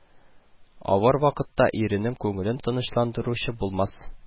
Авыр вакытта иренең күңелен тынычландыручы булмас